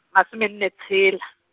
masomenne tshela.